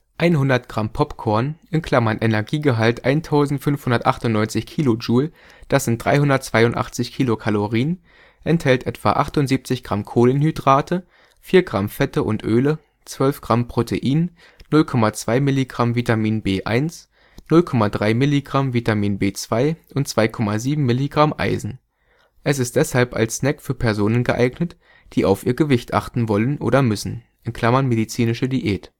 100 g Popcorn (Energiegehalt: 1,598 kJ, das sind 382 kcal) enthält etwa 78 g Kohlenhydrate, 4 g Fette und Öle, 12 g Protein, 0,2 mg Vitamin B1, 0,3 mg Vitamin B2 und 2,7 mg Eisen. Es ist deshalb als Snack für Personen geeignet, die auf ihr Gewicht achten wollen oder müssen (medizinische Diät